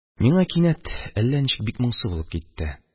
Миңа кинәт әллә ничек бик моңсу булып китте.